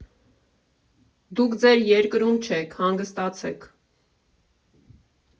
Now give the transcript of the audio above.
Դուք ձեր երկրում չեք, հանգստացեք…